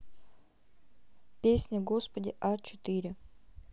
песня господи а четыре